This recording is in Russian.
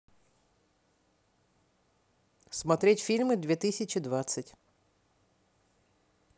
смотреть фильмы две тысячи двадцать